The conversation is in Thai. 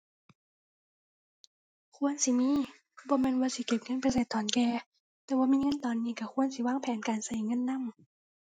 ควรสิมี บ่แม่นว่าสิเก็บเงินไปได้ตอนแก่ แต่ว่ามีเงินตอนนี้ก็ควรสิวางแผนการก็เงินนำ